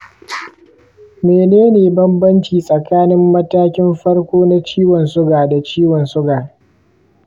mene ne bambanci tsakanin matakin farko na ciwon suga da ciwon suga?